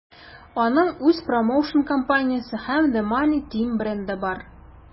Аның үз промоушн-компаниясе һәм The Money Team бренды бар.